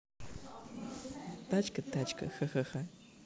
тачка тачка ха ха